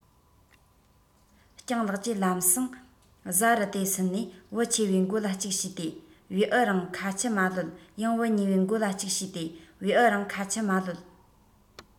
སྤྱང ལགས ཀྱིས ལམ སེང བཟའ རུ དེ ཟིན ནས བུ ཆེ བའི མགོ ལ གཅིག ཞུས ཏེ བེའུ རང ཁ ཆུ མ གློད ཡང བུ གཉིས པའི མགོ ལ གཅིག ཞུས ཏེ བེའུ རང ཁ ཆུ མ གློད